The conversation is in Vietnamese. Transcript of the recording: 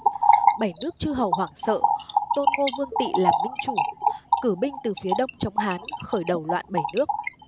bảy nước chư hầu hoảng sợ tôn ngô vương tị làm minh chủ cử binh từ phía đông chống hán khởi đầu loạn bảy nước